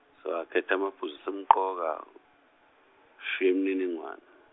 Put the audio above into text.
sewakhetha amaphuzu asemqoka, shi imniningwane.